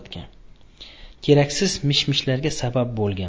keraksiz mish mishlarga sabab bo'lgan